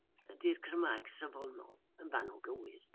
Ydy'r Cymraeg safonol, yn fanwl gywir.